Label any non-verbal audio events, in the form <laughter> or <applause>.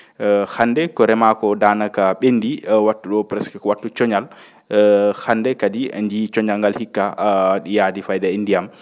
<hesitation> hannde ko remaa koo danaka ?enndii oo wattu ?oo presque ko wattu coñal <hesitation> hannde kadi en njiyii coñal ngal hikka <hesitation> yaadi fayda e ndiyam